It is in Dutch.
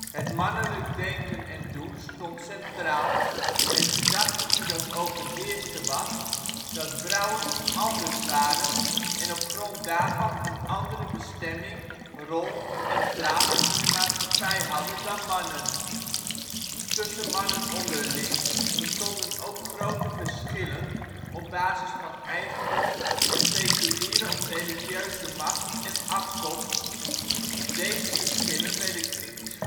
Het mannelijk denken en doen stond centraal, het gedachtegoed dat overheerste was, dat vrouwen " anders " waren en op grond daarvan een andere bestemming, rol en plaats in de maatschappij hadden dan mannen. Tussen mannen onderling bestonden ook grote verschillen op basis van eigendom, seculiere of religieuze macht en afkomst, deze verschillen werden kritisch